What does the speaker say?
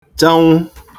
chakwụ